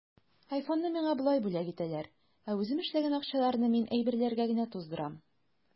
Айфонны миңа болай бүләк итәләр, ә үзем эшләгән акчаларны мин әйберләргә генә туздырам.